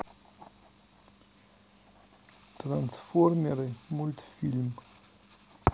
трансформеры мультфильм